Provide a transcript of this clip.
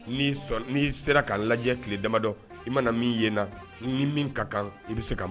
N'i sɔn n'i sera ka lajɛ tile damadɔ i mana min yen na, ni min ka kan, i bɛ se ka